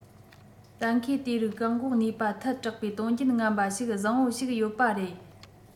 གཏན འཁེལ དེ རིགས བཀག འགོག ནུས པ ཐལ དྲགས པའི དོན རྐྱེན ངན པ ཞིག བཟང བོ ཞིག ཡོད པ རེད